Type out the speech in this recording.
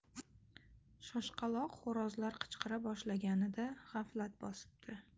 shoshqaloq xo'rozlar qichqira boshlaganida g'aflat bosibdi